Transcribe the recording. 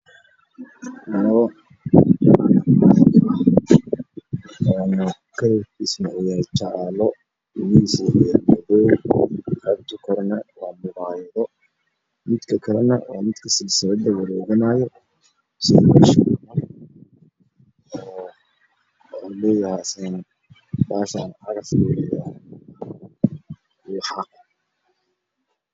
Noooh kalarkiisu waxa weeyaan jaalo midabkiisu waa madaw qaybta korana waa muraayado midkakalana waa midka silsilada wareeganayo